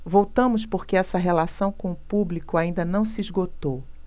voltamos porque essa relação com o público ainda não se esgotou